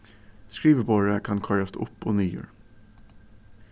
skriviborðið kann koyrast upp og niður